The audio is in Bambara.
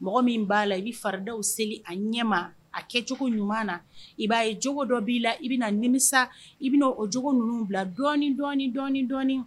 Mɔgɔ min b'a la i bɛ farida seli a ɲɛma a kɛ cogo ɲuman na i b'a ye jo dɔ b'i la i bɛmisa i bɛ o cogo ninnu bila dɔɔnin dɔ dɔɔni dɔɔni